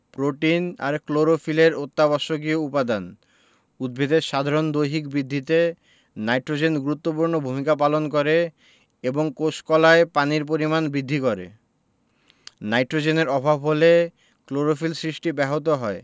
protein আর ক্লোরোফিলের অত্যাবশ্যকীয় উপাদান উদ্ভিদের সাধারণ দৈহিক বৃদ্ধিতে নাইট্রোজেন গুরুত্বপূর্ণ ভূমিকা পালন করে এবং কোষ কলায় পানির পরিমাণ বৃদ্ধি করে নাইট্রোজেনের অভাব হলে ক্লোরোফিল সৃষ্টি ব্যাহত হয়